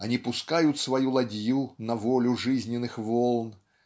они пускают свою ладью на волю жизненных волн